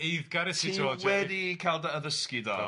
Ti wedi cael dy addysgu do.